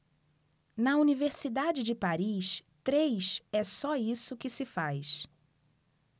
na universidade de paris três é só isso que se faz